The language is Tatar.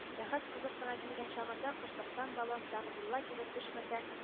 Бәхәс кызып кына килгән чагында кышлыктан бабам сәгъдулла килеп төшмәсә